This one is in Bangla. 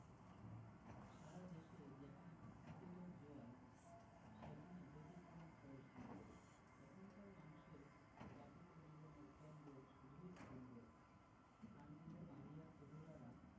সারা দেশে যেখানে ক্রিকেটের জোয়ার সেখানে ব্যতিক্রম কলসিন্দুর এখানকার মানুষের যাপিত জীবনের কেন্দ্রে শুধুই ফুটবল সানজিদা মারিয়া তহুরারা